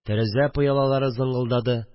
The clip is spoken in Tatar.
Тәрәзә пыялалары зыңгылдады